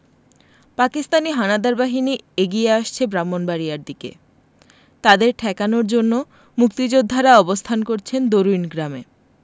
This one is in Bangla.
পাকিস্তানি হানাদার বাহিনী এগিয়ে আসছে ব্রাহ্মনবাড়িয়ার দিকে তাদের ঠেকানোর জন্য মুক্তিযোদ্ধারা অবস্থান করছেন দরুইন গ্রামে